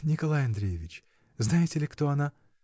— Николай Андреевич, знаете ли, кто она?